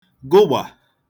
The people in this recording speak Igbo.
gụgbà